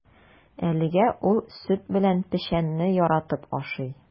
Әлегә ул сөт белән печәнне яратып ашый.